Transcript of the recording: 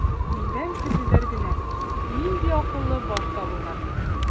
Миннән көлделәр генә: "Нинди акыллы баш табылган!"